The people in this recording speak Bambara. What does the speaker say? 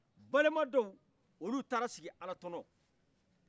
a balema dɔw olu tara sigi alatɔnɔ